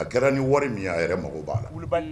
A gɛrɛ ni wari min ye , a yɛrɛ mako b'a la.